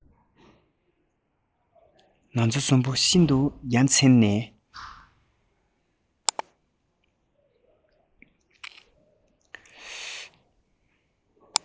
ང ཚོ གསུམ པོ ཤིན ཏུ ཡ མཚན ནས